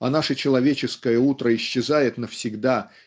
а наше человеческое утро исчезает навсегда